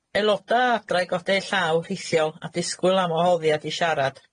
Aeloda' o adra i godi eu llaw rhithiol a disgwyl am wahoddiad i siarad.